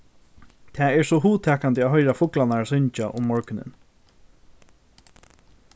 tað er so hugtakandi at hoyra fuglarnar syngja um morgunin